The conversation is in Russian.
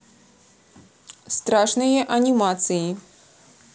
страшные анимации